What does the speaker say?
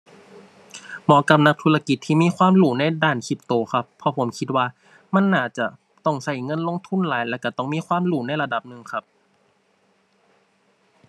เหมาะกับนักธุรกิจที่มีความรู้ในด้านคริปโตครับ เพราะผมคิดว่ามันน่าจะต้องใช้เงินลงทุนหลาย แล้วใช้ต้องมีความรู้ในระดับหนึ่งครับ